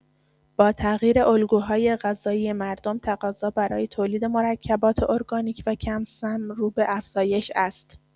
با تغییر الگوهای غذایی مردم، تقاضا برای تولید مرکبات ارگانیک و کم‌سم رو به افزایش است.